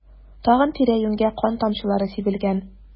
Тагын тирә-юньгә кан тамчылары сибелгән.